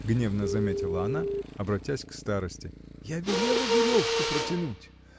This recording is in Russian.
— гневно заметила она, обратясь к старосте. — Я велела веревку протянуть.